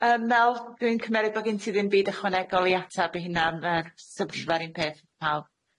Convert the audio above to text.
Yym Mel dwi'n cymeru bo' gen ti ddim byd ychwanegol i atab i huna'n yy sylfa'r un peth pawb.